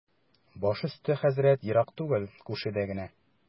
Баш өсте, хәзрәт, ерак түгел, күршедә генә.